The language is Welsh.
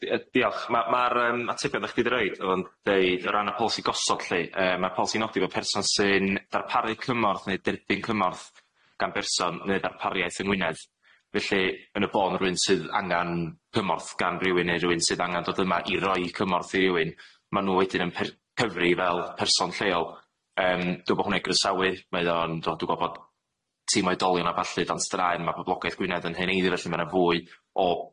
Yym di- diolch ma' ma'r yym atebion dach chdi 'di roid o'n deud o ran y polsi gosod lly yy ma'r polysi nodi fo person sy'n darparu cymorth ne' derbyn cymorth gan berson ne' ddarpariaeth yng Ngwynedd felly yn y bôn rywun sydd angan cymorth gan rywun ne' rywun sydd angan dod yma i roi cymorth i rywun ma' nw wedyn yn per- cyfri fel person lleol yym dw bo hwnna i'w gresawu mae o'n t'wo' dwi gwbod tîm oedolion a ballu 'dan straen ma' poblogaeth Gwynedd yn heneiddio felly ma' 'na fwy o